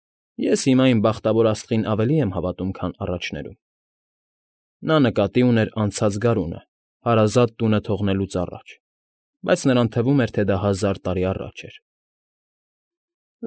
Ես հիմա իմ բախտավոր աստղին ավելի եմ հավատում, քան առաջներում (նա նկատի ուներ անցած գարունը, հարազատ տունը թողնելուց առաջ, բայց նրան թվում էր, թե դա հազար տարի առաջ էր)։